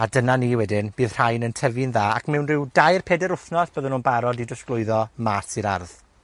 A dyna ni wedyn, bydd rhain yn tyfu'n dda, ac mewn ryw dair, peder wthnos, bydden nw'n barod i drosglwyddo mas i'r ardd.